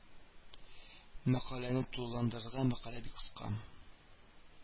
Мәкаләне тулыландырырга мәкалә бик кыска